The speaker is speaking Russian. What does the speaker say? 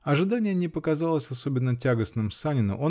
Ожидание не показалось особенно тягостным Санину